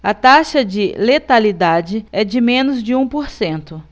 a taxa de letalidade é de menos de um por cento